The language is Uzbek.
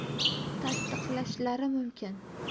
tasdiqlashlari mumkin